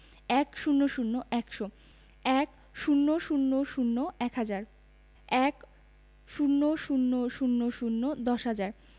১০০ – একশো ১০০০ – এক হাজার ১০০০০ দশ হাজার